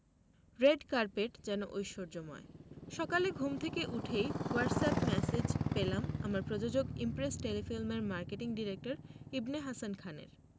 red carpet যেন ঐশ্বর্যময় সকালে ঘুম থেকে উঠেই হোয়াটসঅ্যাপ ম্যাসেজ পেলাম আমার প্রযোজক ইমপ্রেস টেলিফিল্মের মার্কেটিং ডিরেক্টর ইবনে হাসান খানের